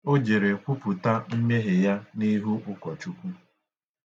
O jere kwuputa mmehie ya n'ihu ụkọchukwu.